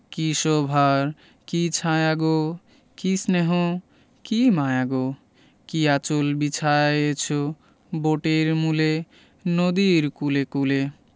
কী শোভার কী ছায়া গো কী স্নেহ কী মায়া গো কী আঁচল বিছায়েছ বোটের মূলে নদীর কূলে কূলে